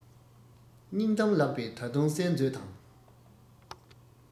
སྙིང གཏམ ལགས པས ད དུང གསན མཛོད དང